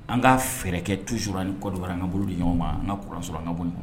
An ka fɛɛrɛkɛ tuur ni kɔkara an ka bolo de ɲɔgɔn kan an ka kuranso an ka bɔ ɲɔgɔn